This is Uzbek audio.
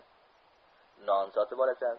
non sotib olasan